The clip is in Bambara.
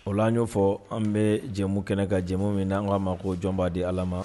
O la an y'o fɔ an bɛ jɛmu kɛnɛ ka, jɛ min na an k'a ma jɔn b'a di Ala ma?